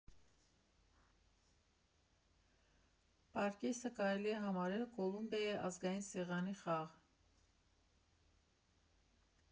Պարկեսը կարելի է համարել Կոլումբիայի ազգային սեղանի խաղ։